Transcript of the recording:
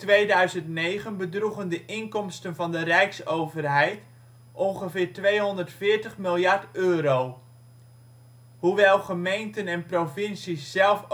2009 bedroegen de inkomsten van de rijksoverheid ongeveer 240 miljard euro. Hoewel gemeenten en provincies zelf